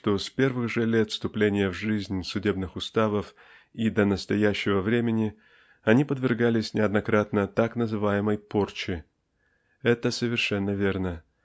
что с первых же лет вступления в жизнь Судебных Уставов и до настоящего времени они подвергались неоднократно таи называемой "порче". Это совершенно верно